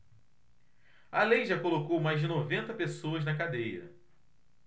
a lei já colocou mais de noventa pessoas na cadeia